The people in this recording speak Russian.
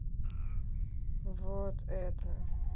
вот это